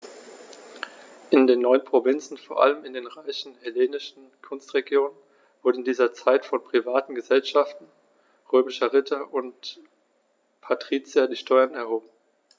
In den neuen Provinzen, vor allem in den reichen hellenistischen Küstenregionen, wurden in dieser Zeit von privaten „Gesellschaften“ römischer Ritter und Patrizier die Steuern erhoben.